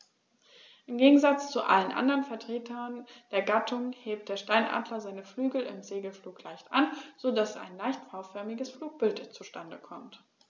Im Gegensatz zu allen anderen Vertretern der Gattung hebt der Steinadler seine Flügel im Segelflug leicht an, so dass ein leicht V-förmiges Flugbild zustande kommt.